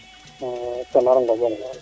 Sonar Ngom